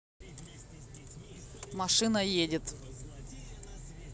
машина едет